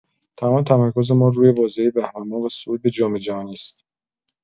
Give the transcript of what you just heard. تمام تمرکز ما روی بازی‌های بهمن‌ماه و صعود به جام‌جهانی است.